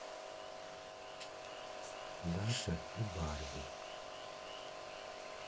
даша и барби